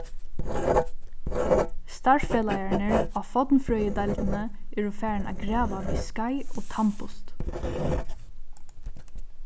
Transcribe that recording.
starvsfelagarnir á fornfrøðideildini eru farin at grava við skeið og tannbust